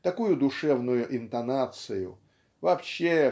такую душевную интонацию (вообще